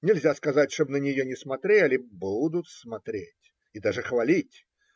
Нельзя сказать, чтобы на нее не смотрели; будут смотреть и даже хвалить.